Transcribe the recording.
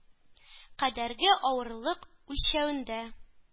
Кадәрге авырлык үлчәвендә